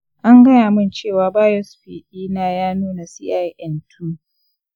an gaya min cewa biopsy dina ya nuna cin 2.